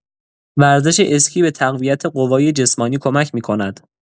ورزش اسکی به تقویت قوای جسمانی کمک می‌کند.